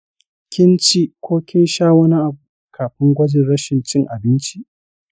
kin ci ko sha wani abu kafin gwajin rashin cin abincin?